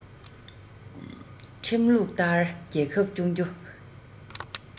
ཁྲིམས ལུགས ལྟར རྒྱལ ཁབ སྐྱོང རྒྱུ